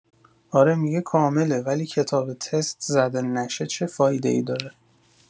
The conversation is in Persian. اره می‌گه کامله ولی کتاب تست زده نشه چه فایده‌ای داره